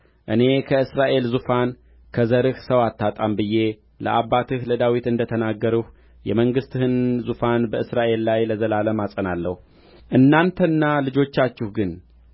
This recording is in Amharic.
እኔ ከእስራኤል ዙፋን ከዘርህ ሰው አታጣም ብዬ ለአባትህ ለዳዊት እንደ ተናገርሁ የመንግሥትህን ዙፋን በእስራኤል ላይ ለዘላለም አጸናለሁ እናንተና ልጆቻችሁ ግን